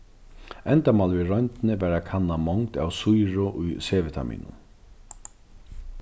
endamálið við royndini er at kanna mongd av sýru í c-vitaminum